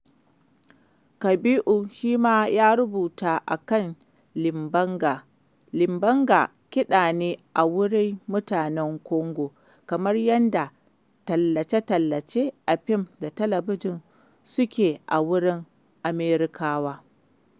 Cabiau shi ma yana rubutu a kan ''libanga''. Libanga kiɗa ne a wurin mutanen Congo kamar yadda tallace-tallace a fim da talabijin suke a wurin Amerikawa.